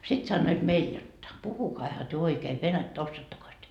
sitten sanoivat meille jotta puhukaahan te oikein venäjää osaattekos te